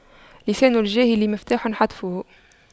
لسان الجاهل مفتاح حتفه